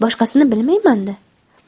boshqasini bilmayman da